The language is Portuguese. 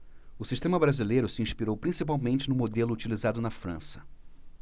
o sistema brasileiro se inspirou principalmente no modelo utilizado na frança